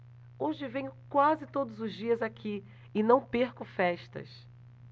hoje venho quase todos os dias aqui e não perco festas